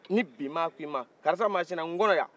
ni bimaa ko karisamasina n kɔnɔ yan